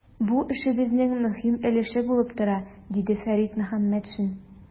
Бу эшебезнең мөһим өлеше булып тора, - диде Фәрит Мөхәммәтшин.